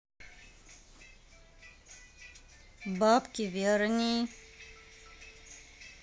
бабки верни